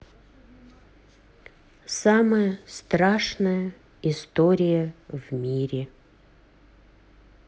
самая страшная история в мире